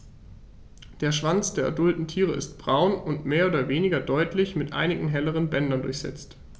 Der Schwanz der adulten Tiere ist braun und mehr oder weniger deutlich mit einigen helleren Bändern durchsetzt.